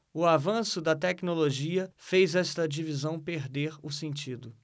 o avanço da tecnologia fez esta divisão perder o sentido